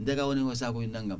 nde ga woni hen ko sakuji nangam